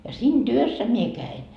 ja siinä työssä minä kävin